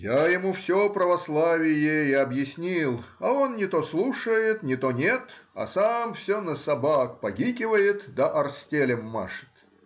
Я ему все православие и объяснил, а он не то слушает, не то нет, а сам все на собак погикивает да орстелем машет.